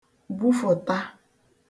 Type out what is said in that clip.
gwufụ̀ta